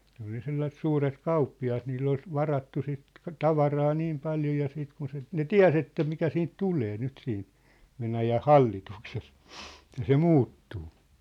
ne oli ja sellaiset suuret kauppiaat niillä oli varattu sitä tavaraa niin paljon ja sitten kun se ne tiesi että mikä siitä tulee nyt siinä Venäjän hallituksessa että se muuttuu